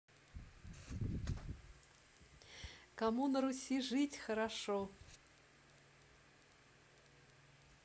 кому на руси жить хорошо